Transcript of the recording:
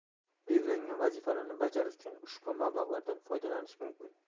belgilangan vazifalarni bajarish uchun ushbu mablag'lardan foydalanish mumkin